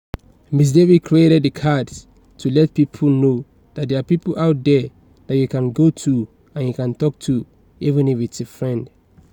Ms Davis created the cards, "to let people know there are people out there that you can go to and you can talk to, even if it's a friend.